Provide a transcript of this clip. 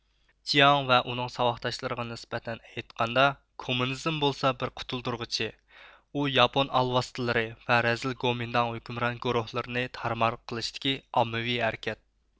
جياڭ ۋە ئۇنىڭ ساۋاقداشلىرىغا نىسبەتەن ئېيتقاندا كومۇنىزم بولسا بىر قۇتۇلدۇرغۇچى ئۇ ياپۇن ئالۋاستىلىرى ۋە رەزىل گومىنداڭ ھۆكۈمران گورۇھلىرىنى تارمار قىلىشتىكى ئاممىۋى ھەرىكەت